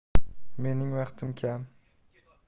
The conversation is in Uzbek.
mening vaqtim kam